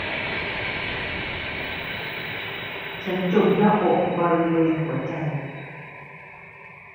ฉันจุกหน้าอกบริเวณหัวใจ